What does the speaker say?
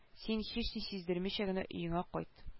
Син һични сиздермичә генә өеңә кайт